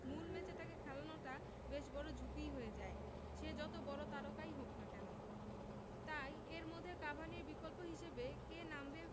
মূল ম্যাচে তাঁকে খেলানোটা বেশ বড় ঝুঁকিই হয়ে যায় সে যত বড় তারকাই হোক না কেন তাই এর মধ্যেই কাভানির বিকল্প হিসেবে কে নামবে